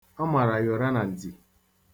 A mara ya ụra na ntị.